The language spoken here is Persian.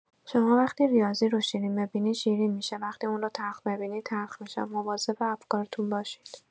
شما وقتی ریاضی رو شیرین ببینید، شیرین می‌شه، وقتی اون رو تلخ ببینید، تلخ می‌شه، مواظب افکارتون باشید!